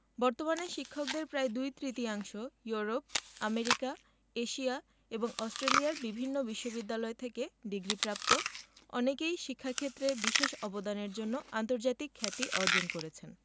বর্তমানে শিক্ষকদের প্রায় দুই তৃতীয়াংশ ইউরোপ আমেরিকা এশিয়া এবং অস্ট্রেলিয়ার বিভিন্ন বিশ্ববিদ্যালয় থেকে ডিগ্রিপ্রাপ্ত অনেকেই শিক্ষাক্ষেত্রে বিশেষ অবদানের জন্য আন্তর্জাতিক খ্যাতি অর্জন করেছেন